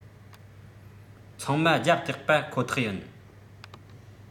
ཚང མ རྒྱབ སྟེགས པ ཁོ ཐག ཡིན